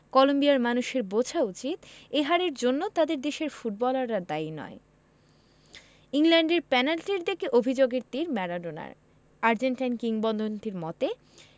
কলম্বিয়ার মানুষের বোঝা উচিত এই হারের জন্য তাদের দেশের ফুটবলাররা দায়ী নয় ইংল্যান্ডের পেনাল্টির দিকে অভিযোগের তির ম্যারাডোনার আর্জেন্টাইন কিংবদন্তির মতে